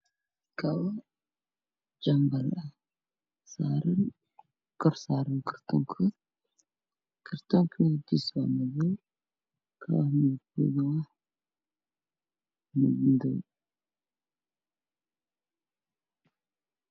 Waa labo kabood midabkoodii yahay madow waxaa dul saarin kartoon madow dhulka waa caddaan